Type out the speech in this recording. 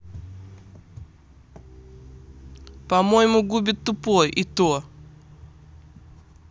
поему губит тупой и то